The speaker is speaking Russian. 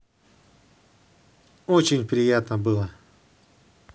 очень приятно было